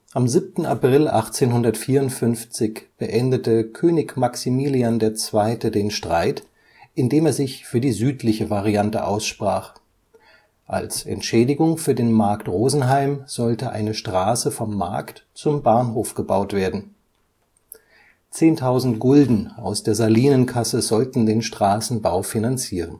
Am 7. April 1854 beendete König Maximilian II. den Streit, indem er sich für die südliche Variante aussprach, als Entschädigung für den Markt Rosenheim sollte eine Straße vom Markt zum Bahnhof gebaut werden. 10.000 Gulden aus der Salinenkasse sollten den Straßenbau finanzieren